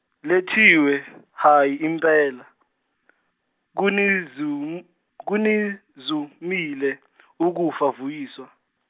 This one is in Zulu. Lethiwe hhayi impela kunizum- kunizumile ukufa Vuyiswa.